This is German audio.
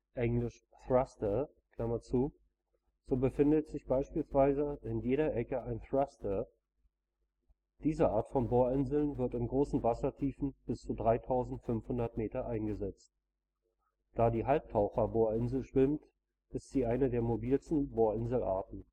engl.: thruster); so befindet sich beispielsweise in jeder Ecke ein Thruster. Diese Art von Bohrinseln wird in großen Wassertiefen bis zu 3500 m eingesetzt. Da die Halbtaucherbohrinsel schwimmt, ist sie eine der mobilsten Bohrinselarten